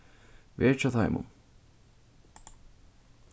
ver hjá teimum